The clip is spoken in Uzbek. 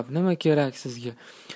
nima kerak sizga